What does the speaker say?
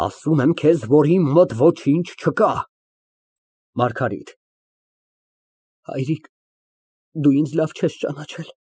Ասում եմ քեզ, որ իմ մոտ ոչինչ չկա։ ՄԱՐԳԱՐԻՏ ֊ Հայրիկ, դու ինձ լավ չես ճանաչել։